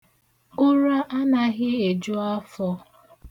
Ụra anaghị eju afọ.